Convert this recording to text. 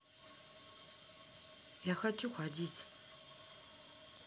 я хочу ходить